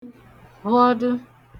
vhọdụ